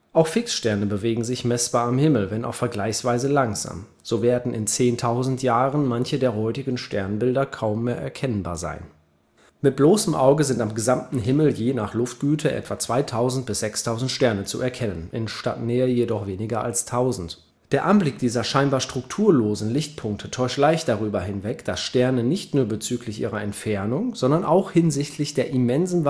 Auch Fixsterne bewegen sich messbar am Himmel, wenn auch vergleichsweise langsam. So werden in 10.000 Jahren manche der heutigen Sternbilder kaum mehr erkennbar sein. Mit bloßem Auge sind am gesamten Himmel je nach Luftgüte etwa 2.000 bis 6.000 Sterne zu erkennen, in Stadtnähe jedoch weniger als Tausend. Der Anblick dieser scheinbar strukturlosen Lichtpunkte täuscht leicht darüber hinweg, dass Sterne nicht nur bezüglich ihrer Entfernung, sondern auch hinsichtlich der immensen